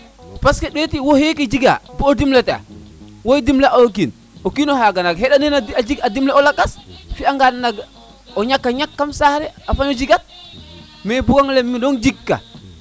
parce ɗeti wo xeke jega bo dimle ta waxey dimle a o kiin o kino xaga nak xeɗaneen te jeg a dimle o lakas fiya ngan naga o ñaka ñak kam saax le a faño jika mais bugole mi doŋ jig k a